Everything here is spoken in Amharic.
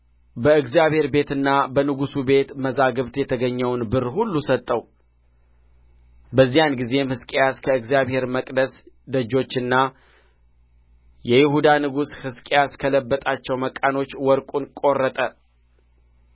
በእግዚአብሔር ቤትና በንጉሡ ቤት መዛግብት የተገኘውን ብር ሁሉ ሰጠው በዚያን ጊዜም ሕዝቅያስ ከእግዚአብሔር መቅደስ ደጆችና የይሁዳ ንጉሥ ሕዝቅያስ ከለበጣቸው መቃኖች ወርቁን ቈረጠ